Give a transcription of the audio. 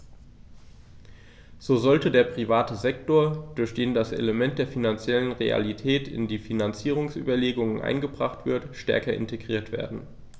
So sollte der private Sektor, durch den das Element der finanziellen Realität in die Finanzierungsüberlegungen eingebracht wird, stärker integriert werden.